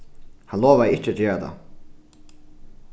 hann lovaði ikki at gera tað